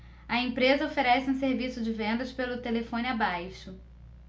a empresa oferece um serviço de vendas pelo telefone abaixo